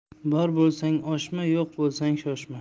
bor bo'lsang oshma yo'q bo'lsang shoshma